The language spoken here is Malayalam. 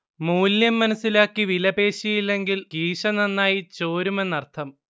മൂല്യം മനസ്സിലാക്കി വിലപേശിയില്ലെങ്കിൽ കീശ നന്നായി ചോരുമെന്നർഥം